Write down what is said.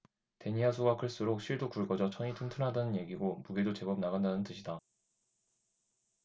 데니아 수가 클수록 실도 굵어져 천이 튼튼하다는 얘기고 무게도 제법 나간다는 뜻이다